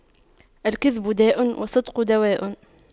الكذب داء والصدق دواء